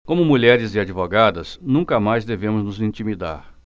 como mulheres e advogadas nunca mais devemos nos intimidar